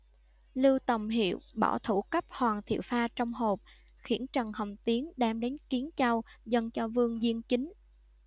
lưu tòng hiệu bỏ thủ cấp hoàng thiệu pha trong hộp khiển trần hồng tiến đem đến kiến châu dâng cho vương diên chính